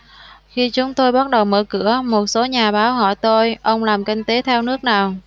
khi chúng tôi bắt đầu mở cửa một số nhà báo hỏi tôi ông làm kinh tế theo nước nào